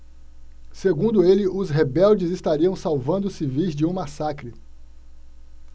segundo ele os rebeldes estariam salvando os civis de um massacre